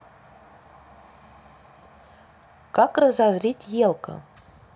как разозлить елка